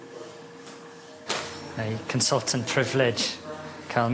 Neu consultant privelage ca'l...